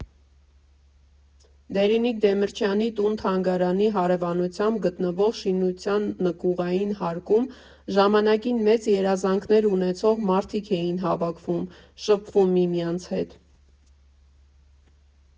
Դերենիկ Դեմիրճյանի տուն֊թանգարանի հարևանությամբ գտնվող շինության նկուղային հարկում ժամանակին մեծ երազանքներ ունեցող մարդիկ էին հավաքվում, շփվում միմյանց հետ։